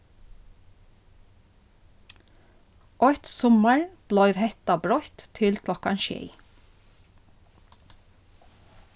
eitt summar bleiv hetta broytt til klokkan sjey